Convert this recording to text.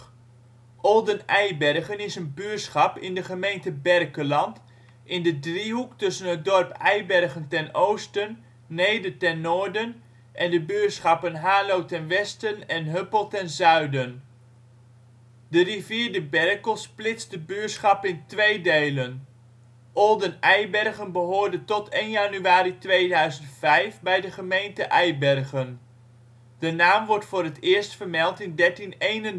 Olden Eibergen is een buurschap in de gemeente Berkelland in de driehoek tussen het dorp Eibergen ten oosten, Neede ten noorden en de buurschappen Haarlo ten westen en Hupsel ten zuiden. De rivier de Berkel splitst de buurschap in twee delen. Olden Eibergen behoorde tot 1 januari 2005 bij de gemeente Eibergen. De naam wordt voor het eerst vermeld in 1331